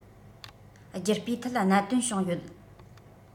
རྒྱུ སྤུས ཐད གནད དོན བྱུང ཡོད